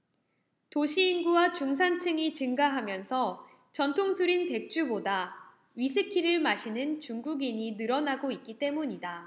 도시인구와 중산층이 증가하면서 전통술인 백주보다 위스키를 마시는 중국인이 늘어나고 있기 때문이다